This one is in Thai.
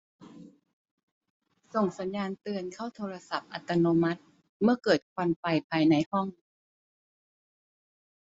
ส่งสัญญาณเตือนเข้าโทรศัพท์อัตโนมัติเมื่อเกิดควันไฟภายในห้อง